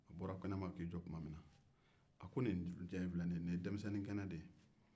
a bɔra k'i jɔ kɛnɛ ma tuma min na a ko nin ce in ye denmisɛnnin kɛnɛ de ye